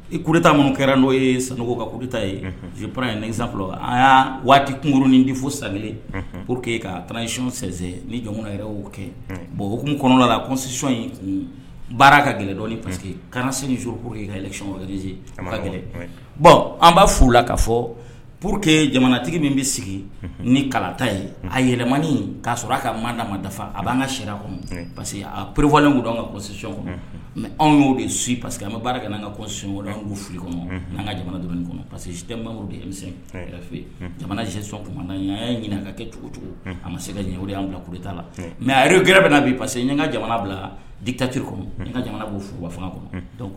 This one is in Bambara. I kuruta minnu kɛra n'o ye sanu kata yepsan fɔlɔ an y' waati kunkuru ni difo sa pour que ka tsicon sɛsɛn ni jɔn' kɛ bon tun kɔnɔnasic baara ka g pa que kana seuru kaɔnz bɔn an b' furula ka fɔ pur que jamanatigi min bɛ sigi ni kalata ye a yɛlɛmani k' sɔrɔ a ka maa d'a ma dafa a b'an ka se kɔnɔ parce que a purpfɔlen ka kɔsiy kɔnɔ mɛ anw y'o de su pa que an bɛ baara kɛ n an kasɔn fili kɔnɔ n'an ka jamana dumuni kɔnɔ parce quesi mamudu de jamanasɔn a ɲininka ka kɛ cogo cogo a ma se ka ɲɛmo y an bila kuruta la mɛre gɛrɛ bɛ na bi parce que n ka jamana bila jitatiriururi kɔnɔ n ka jamana b'o furuba fanga kɔnɔ dɔw